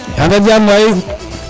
yunga jam waay